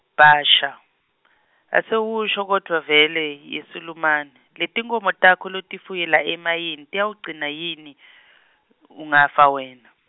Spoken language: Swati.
Bhasha, Asewusho kodvwa vele yeSulumane, letinkhomo takho lotifuye la emayini tiyawugcinwa yini , ungafa wena?